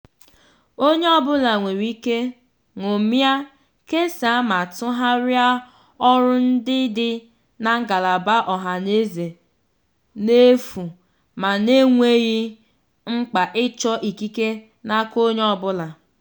Onye ọbụla nwere ike ṅomie, kesaa ma tụgharịa ọrụ ndị dị na ngalaba ọhaneze n'efu ma na-enweghị mkpa ịchọ ikike n'aka onye ọbụla.